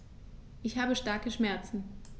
Ich habe starke Schmerzen.